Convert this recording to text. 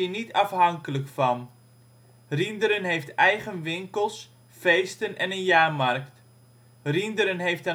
niet afhankelijk van. Rhienderen heeft eigen winkels, feesten en een jaarmarkt. Rhienderen heeft